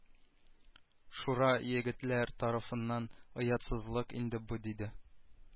Шура егетләр тарафыннан оятсызлык инде бу диде